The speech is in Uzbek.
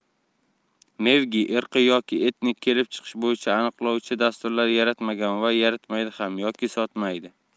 megvii irqiy yoki etnik kelib chiqish bo'yicha aniqlovchi dasturlar yaratmagan va yaratmaydi ham yoki sotmaydi